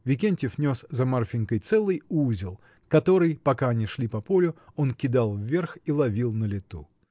Викентьев нес за Марфинькой целый узел, который, пока они шли по полю, он кидал вверх и ловил на лету.